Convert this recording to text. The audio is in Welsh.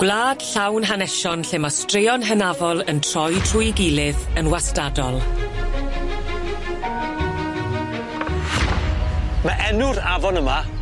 Gwlad llawn hanesion lle ma' straeon hynafol yn troi trwy gilydd yn wastadol. Ma' enw'r afon yma